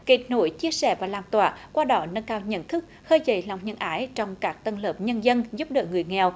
kết nối chia sẻ và lan tỏa qua đó nâng cao nhận thức khơi dậy lòng nhân ái trong các tầng lớp nhân dân giúp đỡ người nghèo